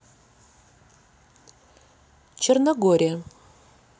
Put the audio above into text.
черногория